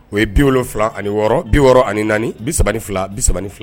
O ye 76 64 32 32